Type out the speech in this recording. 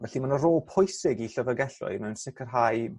felly ma' 'na rôl pwysig i llyfyrgelloedd mewn sicrhau